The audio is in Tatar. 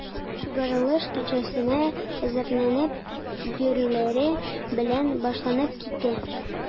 Чыгарылыш кичәсенә әзерләнеп йөрүләре белән башланып китә.